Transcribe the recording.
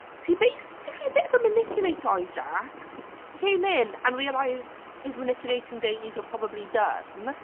sy basically bit of a manipulator oedd Jaques. He came in and realised his manipulating days were probably done.